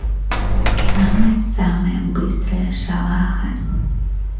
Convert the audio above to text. самая самая быстрая шалахо